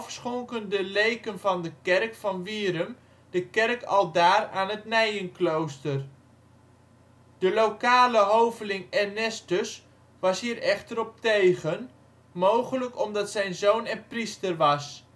schonken de leken van de kerk van Wierum de kerk aldaar aan het Nijenklooster. De lokale hoveling Ernestus was hier echter op tegen, mogelijk omdat zijn zoon er priester was